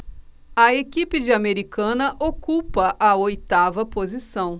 a equipe de americana ocupa a oitava posição